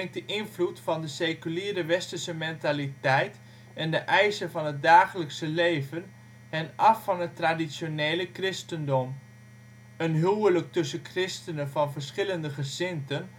de invloed van de seculaire Westelijke mentaliteit, de eisen van het dagelijkse leven, hen van het traditioneel christendom af. Het huwelijk tussen christenen van verschillende gezindten